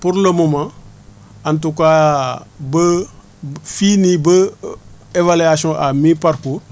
pour le moment en tout cas ba fii nii ba évaluation à mi parcours